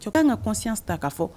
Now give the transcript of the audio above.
Cɛ ka an ka kɔsɔn ta ka fɔ